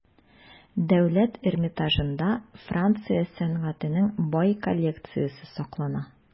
Дәүләт Эрмитажында Франция сәнгатенең бай коллекциясе саклана.